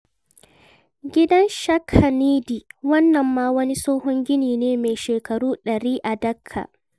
Gidan ShakhaNidhi Wannan ma wani tsohon gini ne mai shekaru ɗari a Dhaka.